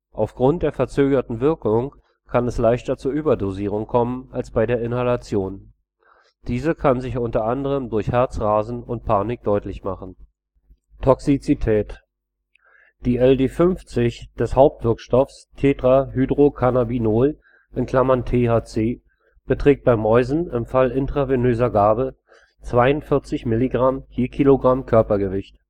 Aufgrund der verzögerten Wirkung kann es leichter zur Überdosierung kommen als bei der Inhalation. Diese kann sich unter anderem durch Herzrasen und Panik deutlich machen. Die LD50 des Hauptwirkstoffes Tetrahydrocannabinol (THC) beträgt bei Mäusen im Fall intravenöser Gabe 42 Milligramm je Kilogramm Körpergewicht